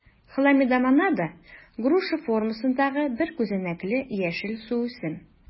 Хламидомонада - груша формасындагы бер күзәнәкле яшел суүсем.